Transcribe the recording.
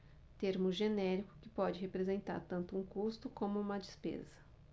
termo genérico que pode representar tanto um custo como uma despesa